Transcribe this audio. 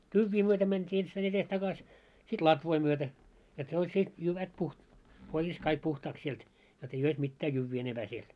tyvien myötä mentiin ensittäin edes takaisin sitten latvoi myötä että ne oli se jyvät - korjasi kaikki puhtaaksi sieltä jotta ei olisi mitään jyviä enempää siellä